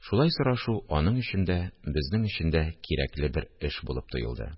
Шулай сорашу аның өчен дә, безнең өчен дә кирәкле бер эш булып тоелды